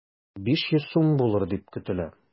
500 сум булыр дип көтелә.